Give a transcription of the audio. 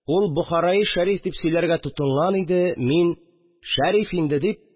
Ул: «Бохараи шәриф...» – дип сөйләргә тотынган иде, мин: «Шәриф инде!» – дип